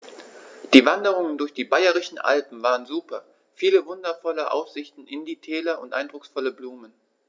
Die Wanderungen durch die Bayerischen Alpen waren super. Viele wundervolle Aussichten in die Täler und eindrucksvolle Blumen.